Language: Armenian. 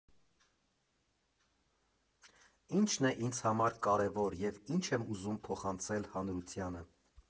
Ի՞նչն է ինձ համար կարևոր և ի՞նչ եմ ուզում փոխանցել հանրությանը։